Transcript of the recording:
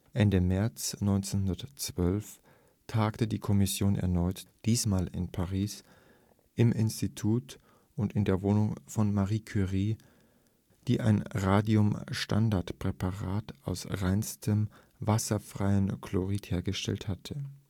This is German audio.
Ende März 1912 tagte die Kommission erneut, diesmal in Paris, im Institut und in der Wohnung von Marie Curie, die ein Radiumstandardpräparat aus reinstem wasserfreien Chlorid hergestellt hatte